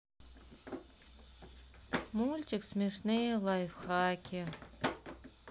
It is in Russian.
мультик смешные лайфхаки